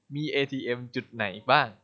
มีเอทีเอมจุดไหนบ้าง